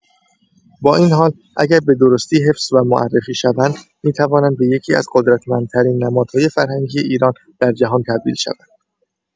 با این حال اگر به‌درستی حفظ و معرفی شوند، می‌توانند به یکی‌از قدرتمندترین نمادهای فرهنگی ایران در جهان تبدیل شوند.